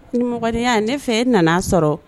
Ni mya ne fɛ nana sɔrɔ